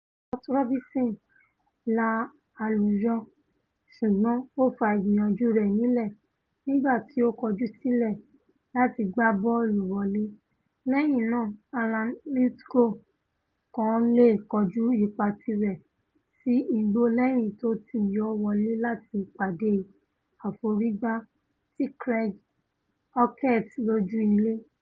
Scott Robinson la àlùyọ ṣùgbọ́n ó fa ìgbìyànjú rẹ nílẹ̀ nìgbà tí ó kọjú sílé làtí gbá bọ́ọ̀lù wọlé, lẹ́yìn náà Alan Lithgow kàn leè kọjú ipá tirẹ̀ sí igbó lẹ́yìn tó ti yọ wọlé láti pàdé àforìgbá ti Craig Halkett lójú ilé.